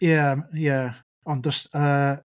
Ia ie ond os yy...